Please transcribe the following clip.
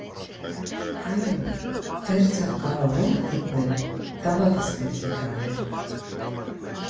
Այո, դերձակ կարո՞ղ ենք գտնել, տաբատս պետք է կարել։